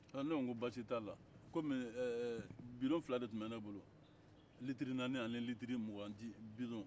ne ko baasi t'a la kɔmi bidon fila de tun bɛ ne bolo litiri naani ani litiri mugan bidɔn